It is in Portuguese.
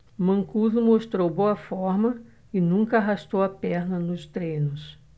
mancuso mostrou boa forma e nunca arrastou a perna nos treinos